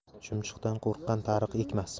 chumchuqdan qo'rqqan tariq ekmas